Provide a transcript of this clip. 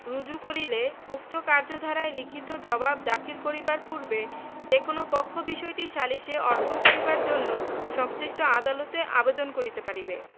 রুজু করিলে উক্ত কার্যধারায় লিখিত জবাব দাখিল করিবার পূর্বে যে কোন পক্ষ বিষয়টি সালিসে অর্পণ করিবার জন্য সংশ্লিষ্ট আদালতে আবেদন করিতে পারিবে